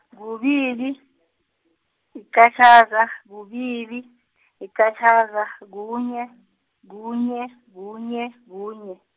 kubili, yiqatjhaza, kubili, yiqatjhaza, kunye, kunye, kunye, kunye.